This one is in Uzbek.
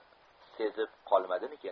sezib qolmadimikin